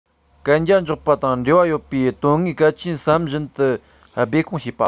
གན རྒྱ འཇོག པ དང འབྲེལ བ ཡོད པའི དོན དངོས གལ ཆེན བསམ བཞིན དུ སྦས སྐུང བྱེད པ